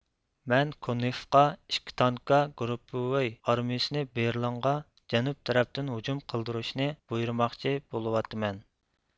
مەن كونېفقا ئىككى تانكا گۇرۇپپىۋوي ئارمىيىسىنى بېرلىنغا جەنۇب تەرەپتىن ھۇجۇم قىلدۇرۇشنى بۇيرۇماقچى بولۇۋاتىمەن